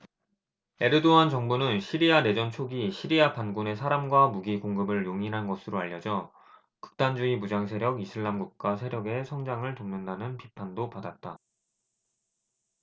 에르도안 정부는 시리아 내전 초기 시리아 반군에 사람과 무기 공급을 용인한 것으로 알려져 극단주의 무장세력 이슬람국가 세력의 성장을 돕는다는 비판도 받았다